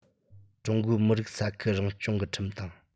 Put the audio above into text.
ཀྲུང གོའི མི རིགས ས ཁུལ རང སྐྱོང གི ཁྲིམས དང